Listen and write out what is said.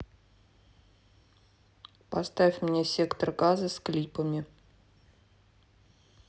поставь мне сектор газа с клипами